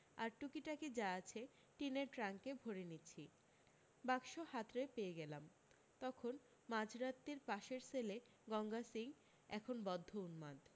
আর টুকিটাকি যা আছে টিনের ট্রাঙ্কে ভরে নিচ্ছি বাক্স হাতড়ে পেয়ে গেলাম তখন মাঝরাত্তির পাশের সেলে গঙ্গা সিং এখন বদ্ধ উন্মাদ